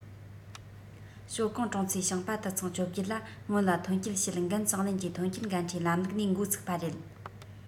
ཞའོ ཀང གྲོང ཚོའི ཞིང པ དུད ཚང ༡༨ ལ སྔོན ལ ཐོན སྐྱེད བྱེད འགན གཙང ལེན གྱི ཐོན སྐྱེད འགན འཁྲིའི ལམ ལུགས ནས འགོ ཚུགས པ རེད